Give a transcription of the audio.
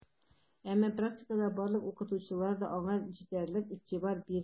Әмма практикада барлык укытучылар да аңа җитәрлек игътибар бирми: